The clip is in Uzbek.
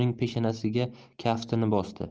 uning peshanasiga kaftini bosdi